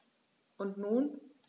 Und nun?